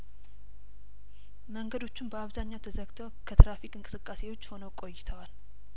መንገዶችም በአብዛኛው ተዘግትው ከትራፊክ እንቅስቃሴ ውጭ ሆነው ቆይተዋል